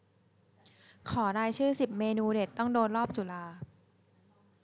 ขอรายชื่อสิบเมนูเด็ดต้องโดนรอบจุฬา